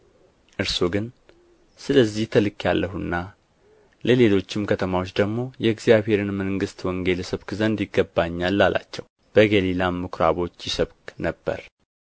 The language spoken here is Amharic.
እርሱ ግን ስለዚህ ተልኬአለሁና ለሌሎቹ ከተማዎች ደግሞ የእግዚአብሔርን መንግሥት ወንጌል እሰብክ ዘንድ ይገባኛል አላቸው በገሊላም ምኵራቦች ይሰብክ ነበር